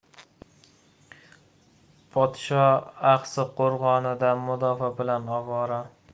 podsho axsi qo'rg'onida mudofaa bilan ovora